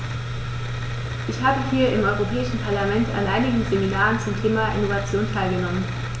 Ich habe hier im Europäischen Parlament an einigen Seminaren zum Thema "Innovation" teilgenommen.